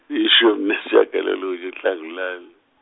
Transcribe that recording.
ishumi neshagalolunye uNhlangulane.